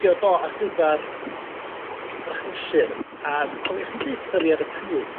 fideo do ar gyfar yr achlysur a dwi'n cofio chdi'n deutha fi ar y pryd